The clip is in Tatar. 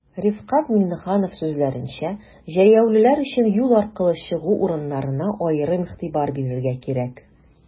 Рифкать Миңнеханов сүзләренчә, җәяүлеләр өчен юл аркылы чыгу урыннарына аерым игътибар бирергә кирәк.